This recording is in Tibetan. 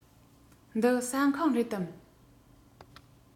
འདི ཟ ཁང རེད དམ